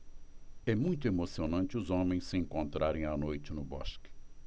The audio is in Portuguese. é muito emocionante os homens se encontrarem à noite no bosque